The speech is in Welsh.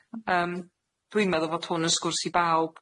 Yym, dwi'n meddwl fod hwn yn sgwrs i bawb,